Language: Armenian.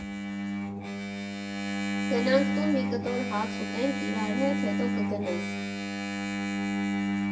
Գնանք տուն, մի կտոր հաց ուտենք իրար հետ, հետո կգնաս։